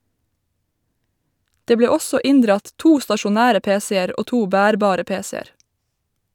Det ble også inndratt to stasjonære PC-er og to bærbare PC-er.